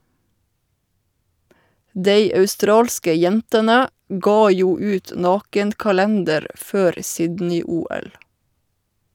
Dei australske jentene gav jo ut naken-kalender før Sydney-OL.